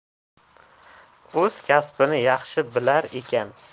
o'z kasbini yaxshi bilar ekan